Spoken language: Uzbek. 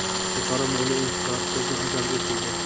xalqaro moliya institutlari hisobidan jalb etildi